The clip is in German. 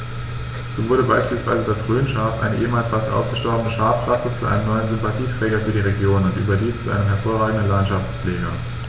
So wurde beispielsweise das Rhönschaf, eine ehemals fast ausgestorbene Schafrasse, zu einem neuen Sympathieträger für die Region – und überdies zu einem hervorragenden Landschaftspfleger.